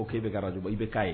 Ko k'e ka ara bɔ i bɛ'a ye